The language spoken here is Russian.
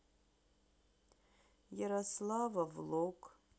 ярослава влог